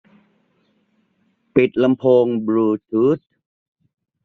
ปิดลำโพงบลูทูธ